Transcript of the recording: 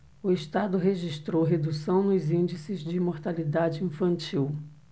o estado registrou redução nos índices de mortalidade infantil